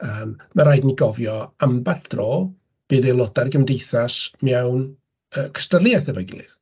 Yym ma raid i ni gofio amball dro fydd aelodau'r Gymdeithas mewn yy cystadleuaeth efo'i gilydd.